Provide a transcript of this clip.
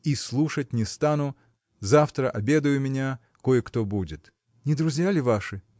и слушать не стану; завтра обедай у меня, кое-кто будет. – Не друзья ли ваши?